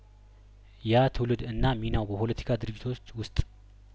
ያ ትውልድ እና ሚናው በፖለቲካ ድርጅቶች ውስጥ